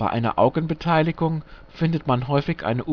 einer Augenbeteiligung findet man häufig eine